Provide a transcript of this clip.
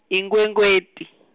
iNkhwekhweti.